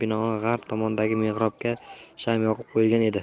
g'arb tomonidagi mehrobga sham yoqib qo'yilgan edi